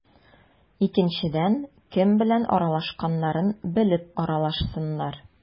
Икенчедән, кем белән аралашканнарын белеп аралашсыннар.